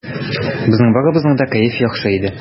Безнең барыбызның да кәеф яхшы иде.